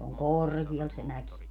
se on korkealla se mäki